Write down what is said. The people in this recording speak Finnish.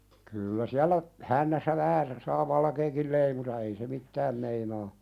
kyllä siellä hännässä vähän se saa valkeakin leimuta ei se mitään meinaa